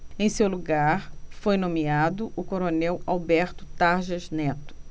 em seu lugar foi nomeado o coronel alberto tarjas neto